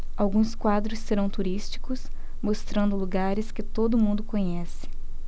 alguns quadros serão turísticos mostrando lugares que todo mundo conhece